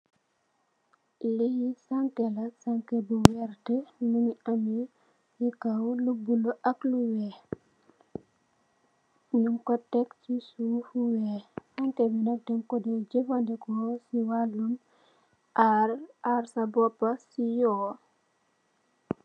Li sangkela sangke bu wertax bu ame si kaw lu bulu ak lu weex nyun ko tek si suuf suuf fu weex sanke bi nak den ko dey jëfandeko si walum arr arr sax bopa si yoo.